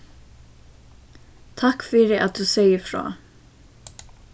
takk fyri at tú segði frá